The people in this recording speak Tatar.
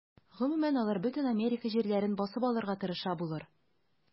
Гомумән, алар бөтен Америка җирләрен басып алырга тырыша булыр.